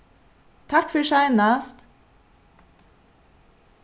takk fyri seinast